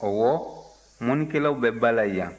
ɔwɔ mɔnnikɛlaw bɛ ba la yan